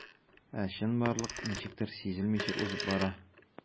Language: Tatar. Ә чынбарлык ничектер сизелмичә узып бара.